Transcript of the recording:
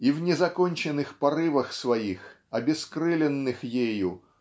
и в незаконченных порывах своих обескрыленных ею